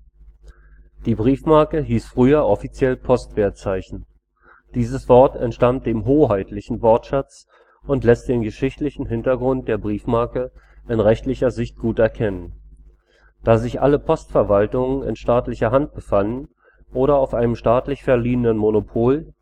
Die Briefmarke hieß früher offiziell Postwertzeichen. Dieses Wort entstammt dem „ hoheitlichen “Wortschatz und lässt den geschichtlichen Hintergrund der Briefmarke in rechtlicher Sicht gut erkennen. Da sich alle Postverwaltungen in staatlicher Hand befanden oder auf einem staatlich verliehenen Monopol